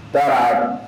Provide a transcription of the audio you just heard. Baara